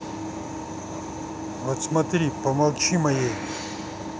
вот смотри помолчи моей